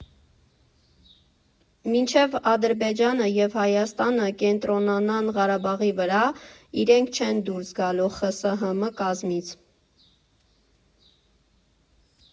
Մինչև Ադրբեջանը և Հայաստանը կենտրոնանան Ղարաբաղի վրա, իրենք չեն դուրս գալու ԽՍՀՄ կազմից։